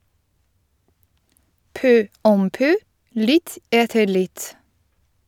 PØ OM PØ - litt etter litt.